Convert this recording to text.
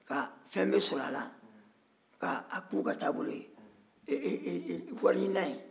fɛn bɛ sɔɔrɔ a la k'a k'u ka wariɲininan ye